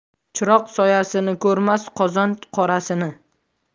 chiroq soyasini ko'rmas qozon qorasini